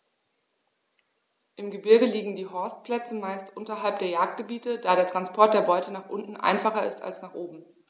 Im Gebirge liegen die Horstplätze meist unterhalb der Jagdgebiete, da der Transport der Beute nach unten einfacher ist als nach oben.